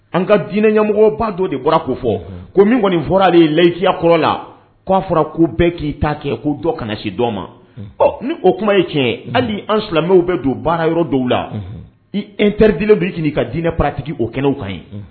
An ka diinɛ ɲɛmɔgɔba dɔ de bɔra ko fɔ ko min kɔniɔni fɔra ale de ye lazya kɔrɔ la k'a fɔra ko bɛɛ k'i taa kɛ ko dɔ kana nasi dɔ ma ɔ ni o kuma ye tiɲɛ hali an silamɛmɛw bɛ don baara yɔrɔ dɔw la i n teridlo bɛ k' ka diinɛ parati okɛlaw kan ye